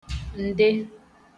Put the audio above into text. ǹde